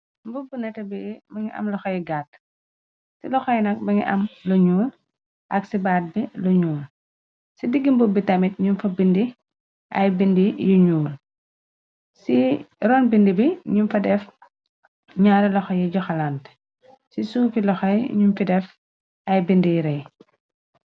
Mbubb neta bi mangi am loxoy gaat ci loxay nag bangi am luñuul ak ci baat bi lu ñuul ci digg mbubbi tamit ñuñ fa bindi ay bindi yu ñuul ci ron bind bi ñuñ fa def ñaari loxo yi joxalante ci suuki loxay ñuñ fi def ay bindi rey.